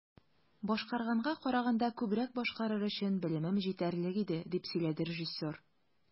"башкарганга караганда күбрәк башкарыр өчен белемем җитәрлек иде", - дип сөйләде режиссер.